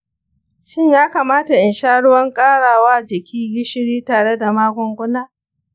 shin ya kamata in sha ruwan ƙara wa jiki gishiri tare da magungunana?